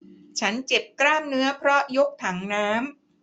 ฉันเจ็บกล้ามเนื้อเพราะยกถังน้ำ